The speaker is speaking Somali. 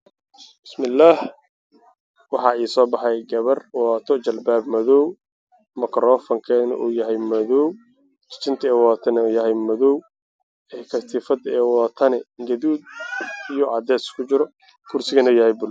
Waa gabar xijaabkeedu yahay madow makarafoonkeedu yahay madow jiginteedu yahay madow waana madaraso arday ayaa gadaal fadhiya